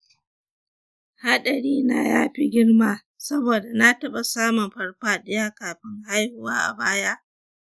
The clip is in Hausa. haɗari na ya fi girma saboda na taɓa samun farfaɗiya kafin haihuwa a baya?